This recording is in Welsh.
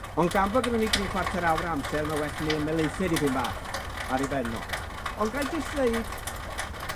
Ond gan bo' gynnon ni dri chwarter awr o amser ma' well i mi ymelaethu dipyn bach ar 'i ben o. Ond gai jyst ddeud